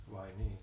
vai niin